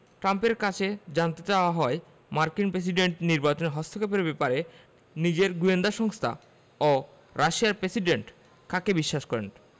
ট্রাম্পের কাছে জানতে চাওয়া হয় মার্কিন প্রেসিডেন্ট নির্বাচনে হস্তক্ষেপের ব্যাপারে নিজের গোয়েন্দা সংস্থা বা রাশিয়ার প্রেসিডেন্ট কাকে বিশ্বাস করেন